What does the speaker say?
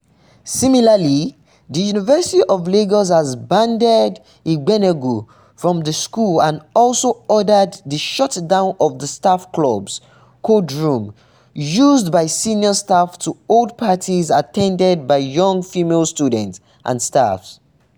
Similarly, the University of Lagos has barred Igbeneghu from the school and also ordered the shutdown of the staff club’s "cold room", used by senior staff to hold parties attended by young female students and staff.